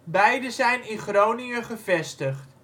Beide zijn in Groningen gevestigd